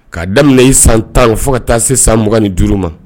K'a daminɛ i san tan fo ka taa se san mugan ni duuru ma